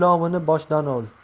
ol jilovini boshdan ol